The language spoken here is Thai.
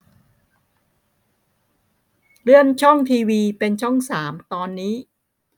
เลื่อนช่องทีวีเป็นช่องสามตอนนี้